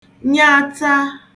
nyata